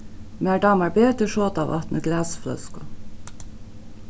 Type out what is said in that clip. mær dámar betur sodavatn í glasfløsku